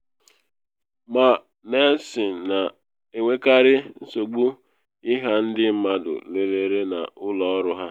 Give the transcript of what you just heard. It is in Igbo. Ma Nielsen na enwekarị nsogbu ịha ndị mmadụ lelere n’ụlọ ọrụ ha.